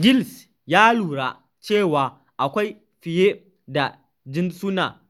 Giles ya lura cewa akwai fiye da jinsuna